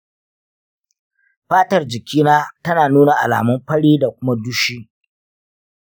fatar jikina tana nuna alamun fari da kuma dushi.